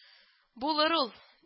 – булыр ул